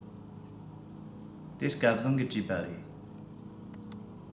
དེ སྐལ བཟང གིས བྲིས པ རེད